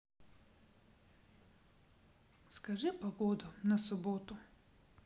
скажи погоду на субботу